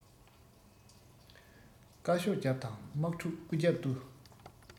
བཀའ ཤོག རྒྱབ དང དམག ཕྲུག སྐུ རྒྱབ ཏུ